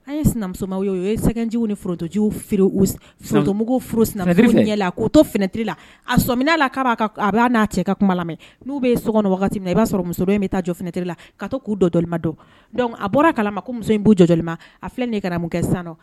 An ye sinamuso ye o ye sɛgɛnjugu nij feere sina' to ftirila a sɔmina la k'aa a'a cɛ ka kuma la n'u bɛ sokɔnɔ min na i b'a sɔrɔ muso in bɛ taa jɔ finɛtiri la ka k'u dɔlilima dɔn a bɔra kala ma ko muso in b' jɔli a filɛ kɛra mun san